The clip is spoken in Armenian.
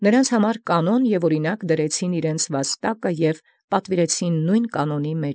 Որոց կանոն և աւրինակ զիւրեանց անձանց արգասիս եղեալ, և պատուիրեալ կալ ի նմին կանոնի։